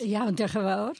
Iawn diolch yn fawr.